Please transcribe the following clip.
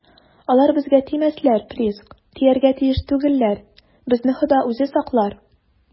- алар безгә тимәсләр, приск, тияргә тиеш түгелләр, безне хода үзе саклар.